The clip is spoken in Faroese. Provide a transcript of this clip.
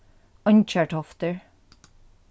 eingjartoftir